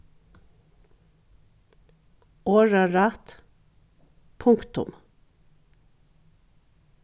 orðarætt punktum